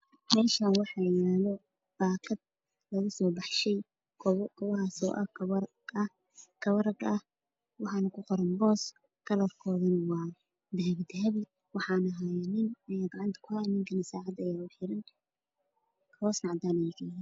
Meshaan waxaa yaalo baakad laga soo baxshay kabo kabahaas oo ah kabo rag ah waxaa ku boos kalarkoodana waa dahabidahabi waxaana hayo nin ninkana saacad ayaa gacanta ugu xiran hoosna cadaan ayey ka yihiin